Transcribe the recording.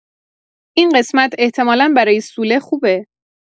این قسمت احتمالا برای سوله خوبه.